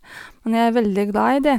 Men jeg er veldig glad i det.